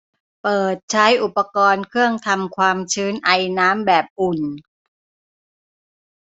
เปิดใช้อุปกรณ์เครื่องทำความชื้นไอน้ำแบบอุ่น